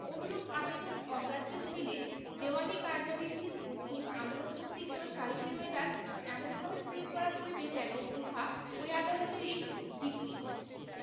অনুরূপ আবেদন অগ্রাহ্য হইলে দেওয়ানী কার্যাবিধির অধীন আদালত কর্তৃক কোন সালিসী রোয়েদাদ এমনভাবে প্রয়োগ করা হইবে যেন উহা ঐ আদালতেরই ডিক্রি